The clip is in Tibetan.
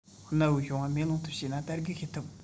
གནའ བོའི བྱུང བ མེ ལོང དུ བྱས ན དར རྒུད ཤེས ཐུབ